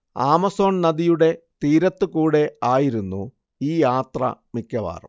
Amazon നദിയുടെ തീരത്തുകൂടെ ആയിരുന്നു ഈ യാത്ര മിക്കവാറും